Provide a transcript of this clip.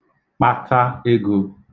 kpata egō